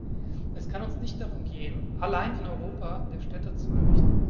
Es kann uns nicht darum gehen, allein ein Europa der Städte zu errichten.